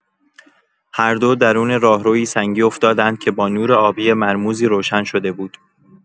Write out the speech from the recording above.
هر دو درون راهرویی سنگی افتادند که با نور آبی مرموزی روشن شده بود.